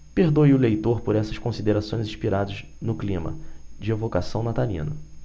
perdoe o leitor por essas considerações inspiradas no clima de evocação natalino